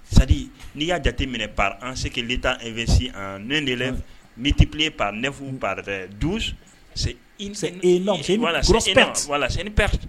c'est à dire n'i y'a jate minɛ _par an , ce que l'etat investi en un eleve multiplier par 9 ou par 12, c'est enorme c'est une grosse perte voila, c'est une perte.